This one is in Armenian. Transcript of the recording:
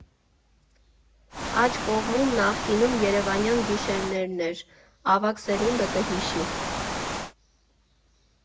Աջ կողմում նախկինում «Երևանյան գիշերներն» էր, ավագ սերունդը կհիշի։